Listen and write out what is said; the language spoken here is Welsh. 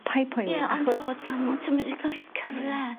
Pai poeni achos. Ie ond o damo t'm 'edi colli cyfle.